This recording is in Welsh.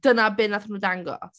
Dyna be wnaethon nhw ddangos.